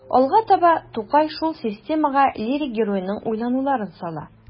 Алга таба Тукай шул системага лирик геройның уйлануларын сала.